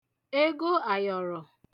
ego àyọ̀rọ̀